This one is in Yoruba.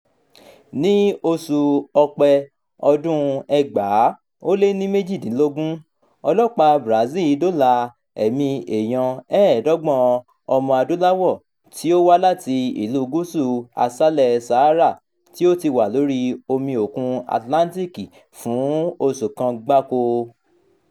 Ní oṣù Ọ̀pẹ ọdún-un 2018, Ọlọ́pàá Brazil dóòlà ẹ̀mí èèyàn 25 ọmọ-adúláwọ̀ tí ó wá láti Ìlú Gúúsù Aṣálẹ̀ Sahara "tí ó ti wà lọ́rí omi òkun Atlantic fún oṣù kan gbáko".